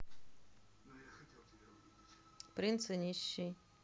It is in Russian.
принц и нищий